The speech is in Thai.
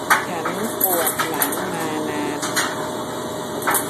ฉันปวดหลังมานาน